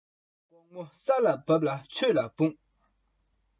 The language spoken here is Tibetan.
ལུས ངག ཡིད གསུམ ཕྱག འཚལ སྨོན ལམ ཐོབ